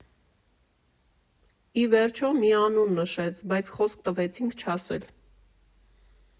Ի վերջո, մի անուն նշեց, բայց խոսք տվեցինք չասել։